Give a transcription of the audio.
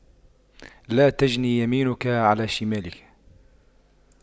لا تجن يمينك على شمالك